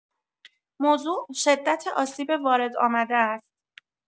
موضوع شدت آسیب وارد آمده است.